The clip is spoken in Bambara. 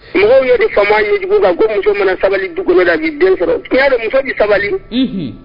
Mɔgɔw ye de faama yejugu kan ko muso mana sabali dugu kɔnɔ dai den sɔrɔ muso sabali